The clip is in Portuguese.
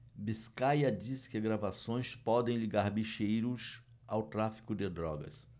biscaia diz que gravações podem ligar bicheiros ao tráfico de drogas